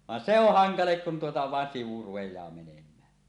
vaan se on hankala kun tuota vain sivu rupeaa menemään